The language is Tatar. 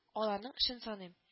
Аларның эшен саныйм